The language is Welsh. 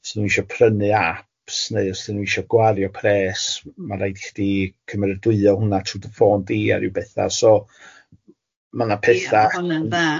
Os dy nhw isio prynu aps neu os ydyn nhw isio gwario pres, ma raid i chdi cymerydwyo hwnna trwy dy ffôn di a ryw betha so ma' na petha... Ia ma hwna'n da.